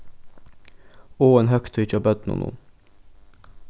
og ein høgtíð hjá børnunum